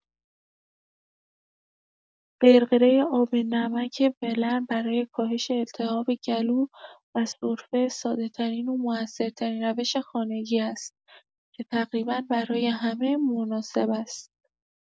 غرغره آب‌نمک ولرم برای کاهش التهاب گلو و سرفه ساده‌‌ترین و مؤثرترین روش خانگی است که تقریبا برای همه مناسب است.